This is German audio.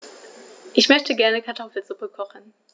Ich möchte gerne Kartoffelsuppe kochen.